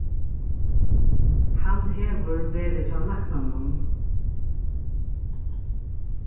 hann hevur verið hjá læknanum